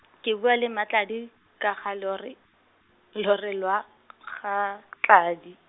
ke bua le Mmatladi, ka ga lore, lore lwa, ga, Tladi.